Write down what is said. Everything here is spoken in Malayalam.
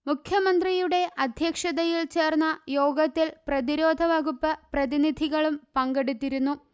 മുഖ്യമന്ത്രിയുടെ അധ്യക്ഷതയിൽ ചേർന്ന യോഗത്തിൽ പ്രതിരോധ വകുപ്പ് പ്രതിനിധികളും പങ്കെടുത്തിരുന്നു